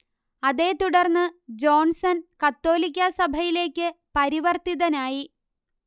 അതേത്തുടർന്ന് Johnson കത്തോലിക്കാസഭയിലെക്ക് പരിവർത്തിതനായി